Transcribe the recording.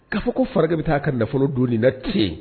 K'a fɔ ko faragɛ bɛ taa ka nafolo don nin na teen